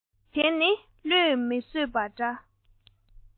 དེ ནི བློས མི བཟོད པ འདྲ